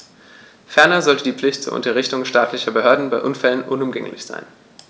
Ferner sollte die Pflicht zur Unterrichtung staatlicher Behörden bei Unfällen unumgänglich sein.